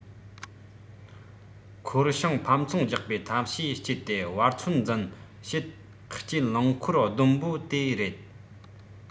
འཁོར བྱང ཕམ ཚོང རྒྱག པའི ཐབས ཤེས སྤྱད དེ བར ཚོད འཛིན བྱེད སྤྱད རླངས འཁོར བསྡོམས འབོར དེ རེད